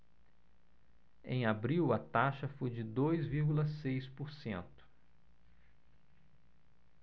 em abril a taxa foi de dois vírgula seis por cento